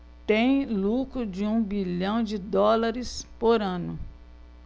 tem lucro de um bilhão de dólares por ano